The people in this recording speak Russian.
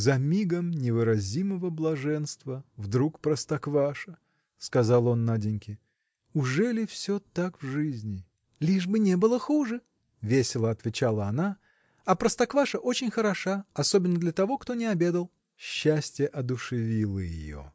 – За мигом невыразимого блаженства – вдруг простокваша!! – сказал он Наденьке. – Ужели все так в жизни? – Лишь бы не было хуже – весело отвечала она а простокваша очень хороша особенно для того кто не обедал. Счастье одушевило ее.